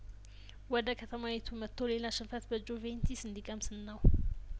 ወደ ከተማይቱ መጥቶ ሌላ ሽንፈት በጁቬን ቲ ስእንዲ ቀምስ ነው